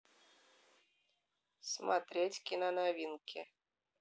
смотреть киноновинки